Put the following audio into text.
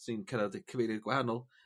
Sy'n cyrradd y cyfeiriad gwahanol.